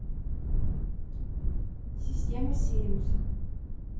система сириуса